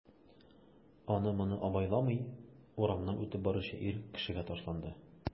Аны-моны абайламый урамнан үтеп баручы ир кешегә ташланды...